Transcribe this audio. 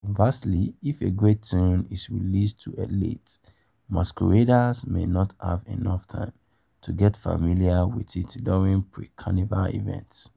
Conversely, if a great tune is released too late, masqueraders may not have enough time to get familiar with it during pre-Carnival events.